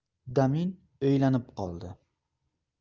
damin o'ylanib qoldi